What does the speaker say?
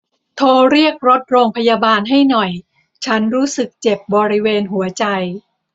โทรเรียกรถโรงพยาบาลให้หน่อยฉันรู้สึกเจ็บบริเวณหัวใจ